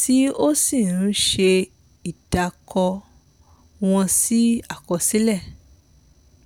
tí ó sì ń ṣe ìdàkọ wọn sí àkọsílẹ̀.